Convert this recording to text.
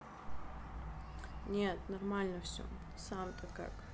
нет нормально все сам то как